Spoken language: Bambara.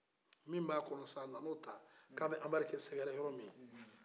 min bɛ a kɔnɔ sa a nana o ta ko a bɛ anbarke sɛgɛrɛ yɔrɔ min